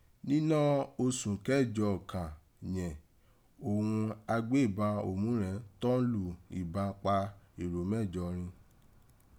Ninọ́ oṣùn kẹjọ kàn yẹ̀n òghun agbéban òmúrẹn tọ́n lu ìban pa èrò meje rín.